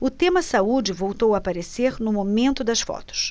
o tema saúde voltou a aparecer no momento das fotos